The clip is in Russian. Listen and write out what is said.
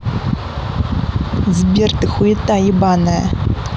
сбер ты хуета ебаная